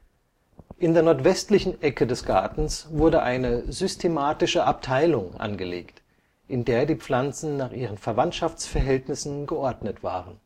In der nordwestlichen Ecke des Gartens wurde eine „ Systematische Abteilung “angelegt, in der die Pflanzen nach ihren Verwandtschaftsverhältnissen geordnet waren